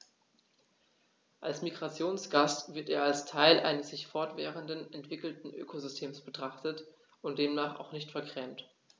Als Migrationsgast wird er als Teil eines sich fortwährend entwickelnden Ökosystems betrachtet und demnach auch nicht vergrämt.